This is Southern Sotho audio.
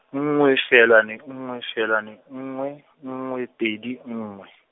nngwe feelwane nngwe feelwane nngwe, nngwe pedi nngwe.